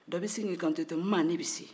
dɔ bɛ sin k'i kan to ten